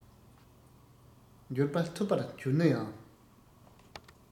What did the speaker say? འབྱོར པ ཐོབ པར གྱུར ན ཡང